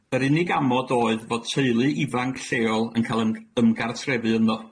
Yr unig amod oedd fod teulu ifanc lleol yn ca'l ym- ymgartrefu ynddo.